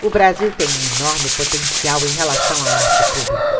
o brasil tem um enorme potencial em relação à arte pública